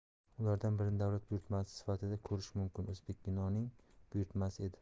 ulardan birini davlat buyurtmasi sifatida ko'rish mumkin o'zbekkino ning buyurtmasi edi